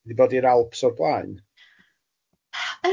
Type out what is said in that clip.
Wedi bod i'r Alps o'r blaen?